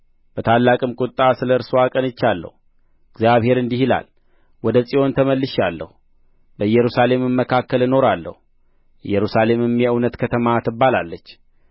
በታላቅም ቍጣ ስለ እርስዋ ቀንቻለሁ እግዚአብሔር እንዲህ ይላል ወደ ጽዮን ተመልሻለሁ በኢየሩሳሌምም መካከል እኖራለሁ ኢየሩሳሌምም የእውነት ከተማ ትባላለች